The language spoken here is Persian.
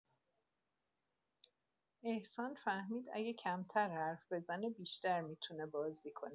احسان فهمید اگه کمتر حرف بزنه، بیشتر می‌تونه بازی کنه.